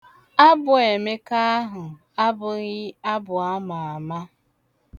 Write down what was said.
Abụ Emeka ahụ abụghị abụ ama ama.